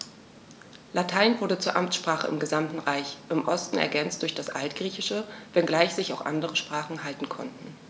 Latein wurde zur Amtssprache im gesamten Reich (im Osten ergänzt durch das Altgriechische), wenngleich sich auch andere Sprachen halten konnten.